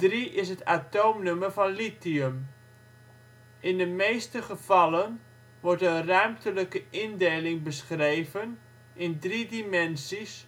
3 is het atoomnummer van lithium. In de meeste gevallen wordt een ruimtelijke indeling beschreven in drie dimensies